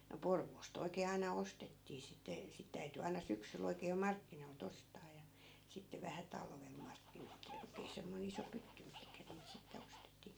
no Porvoosta oikein aina ostettiin sitten sitten täytyi aina syksyllä oikein jo markkinoilta ostaa ja sitten vähän talvella markkina oikein oikein semmoinen iso pytty mihin niitä sitten ostettiin